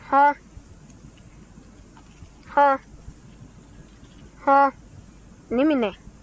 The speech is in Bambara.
hɔn hɔn hɔn nin minɛ